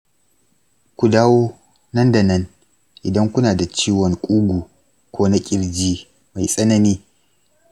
ku dawo nan da nan idan kuna da ciwon ƙugu ko na ƙirji mai tsanani.